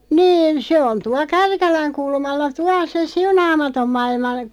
niin se on tuolla Kärkälän kulmalla tuolla se Siunaamaton maailma